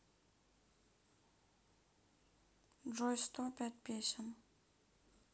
джой сто пять песен